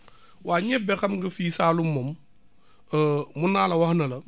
waa ñebe xam nga fii Saloum moom mën naa la wax ne la